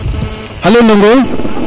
alo Ndongo